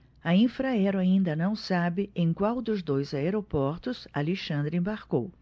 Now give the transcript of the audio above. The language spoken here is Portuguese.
a infraero ainda não sabe em qual dos dois aeroportos alexandre embarcou